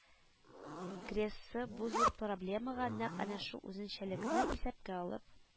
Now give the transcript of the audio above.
Грессы бу зур проблемага нәкъ әнә шул үзенчәлекне исәпкә алып